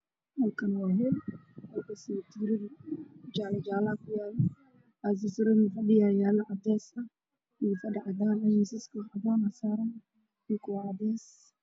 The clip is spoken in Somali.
Waa maqaayad waxaa yaal kuraas iyo miisaas